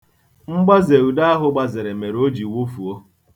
Mgbaze ude ahụ gbazere mere o ji wụfuo.